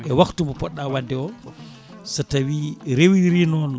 e wakhtu mo poɗɗo wadde o so tawi rewiri noon